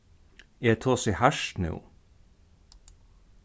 eg tosi hart nú